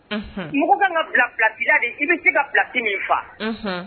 Mugu bɛ ka bila bilasira de i bɛ se ka bilaki min faa